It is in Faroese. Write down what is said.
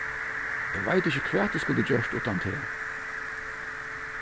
eg veit ikki hvat eg skuldi gjørt uttan teg